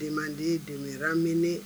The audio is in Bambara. Demander de me ramener